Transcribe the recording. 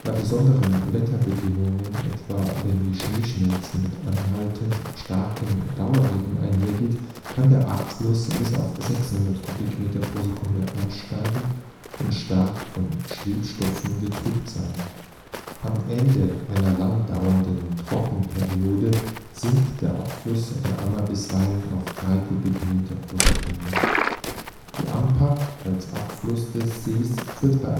besonderen Wetterbedingungen, etwa wenn die Schneeschmelze mit anhaltend starkem Dauerregen einhergeht, kann der Abfluss auf bis zu 600 m³/s ansteigen und stark von Schwebstoffen getrübt sein. Am Ende einer lang dauernden Trockenperiode sinkt der Abfluss der Ammer bisweilen auf unter 3 m³/s. Die Amper als Abfluss des Sees führt bei